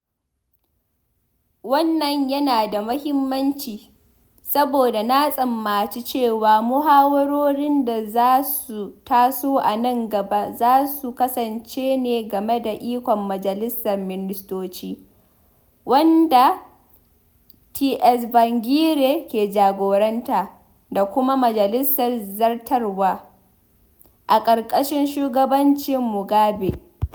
Wannan yana da muhimmanci, saboda na tsammaci cewa muhawarorin da za su taso a nan gaba za su kasance ne game da ikon Majalisar Ministoci, wanda Tsvangirai ke jagoranta, da kuma Majalisar Zartarwa, a ƙarƙashin shugabancin Mugabe.